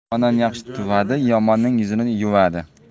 yomondan yaxshi tuvadi yomonning yuzini yuvadi